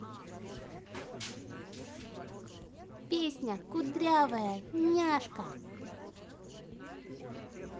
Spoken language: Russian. песня кудрявая няшка